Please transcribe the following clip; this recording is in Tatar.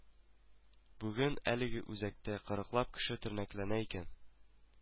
Бүген әлеге үзәктә кырыклап кеше тернәкләнә икән